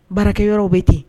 Baarakɛ yɔrɔ bɛ ten